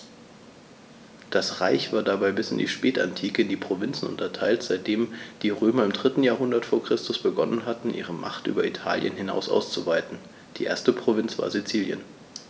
Das Reich war dabei bis in die Spätantike in Provinzen unterteilt, seitdem die Römer im 3. Jahrhundert vor Christus begonnen hatten, ihre Macht über Italien hinaus auszuweiten (die erste Provinz war Sizilien).